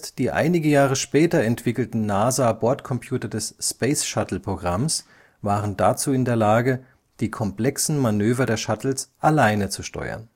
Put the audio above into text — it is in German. die einige Jahre später entwickelten NASA-Bordcomputer des Space-Shuttle-Programms waren dazu in der Lage, die komplexen Manöver der Shuttles alleine zu steuern